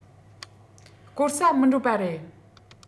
བཀོལ ས མི འགྲོ པ རེད